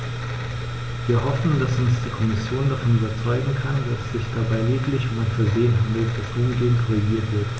Wir hoffen, dass uns die Kommission davon überzeugen kann, dass es sich dabei lediglich um ein Versehen handelt, das umgehend korrigiert wird.